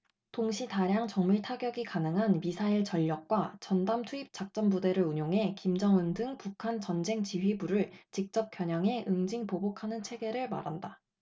동시 다량 정밀타격이 가능한 미사일 전력과 전담 투입 작전부대를 운용해 김정은 등 북한 전쟁지휘부를 직접 겨냥해 응징 보복하는 체계를 말한다